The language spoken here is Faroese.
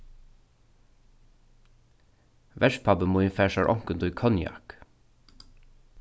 verpápi mín fær sær onkuntíð konjak